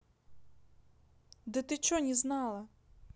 да ты че не знала